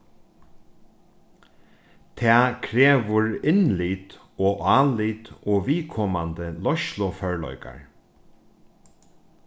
tað krevur innlit og álit og viðkomandi leiðsluførleikar